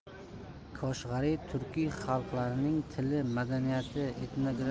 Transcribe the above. koshg'ariy turkiy xalqlarning tili madaniyati